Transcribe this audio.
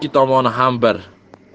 tomoni ham bir